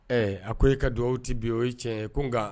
Ɛ a ko e ka dugawu tɛ bi o ye tiɲɛ ko nka